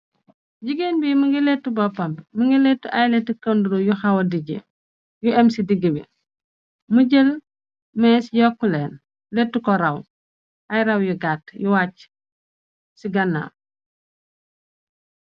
jigéen bi manga lettu boppam bi mënga lettu aylett kànduro yu xawa dijje yu em ci diggbi mu jël mees yokk leen lettu ko ràw ay raw yu gàtt yu wàcc ci ganna